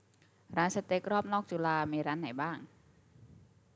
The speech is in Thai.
ร้านสเต็กรอบนอกจุฬามีร้านไหนบ้าง